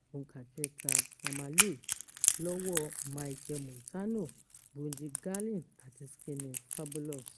3. "Famalay" lọ́wọ́ọ Machel Montano, Bunji Garlin àti Skinny Fabulous